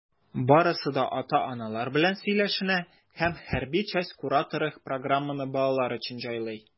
Барысы да ата-аналар белән сөйләшенә, һәм хәрби часть кураторы программаны балалар өчен җайлый.